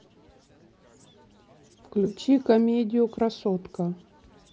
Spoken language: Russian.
включи комедию красотка